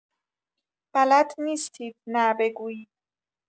بلد نیستید نه بگویید.